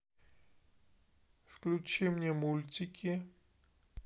включи мне мультики